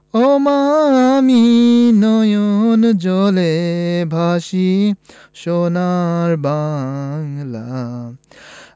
ওমা আমি নয়ন জলে ভাসি সোনার বাংলা